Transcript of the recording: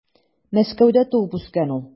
Мәскәүдә туып үскән ул.